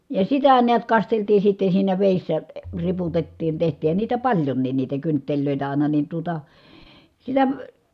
ja sitä näet kasteltiin sitten siinä vedessä - riputettiin tehtiinhän niitä paljonkin niitä kynttilöitä aina niin tuota sillä